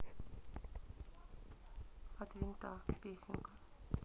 от винта песенка